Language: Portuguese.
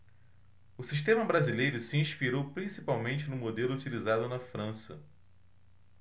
o sistema brasileiro se inspirou principalmente no modelo utilizado na frança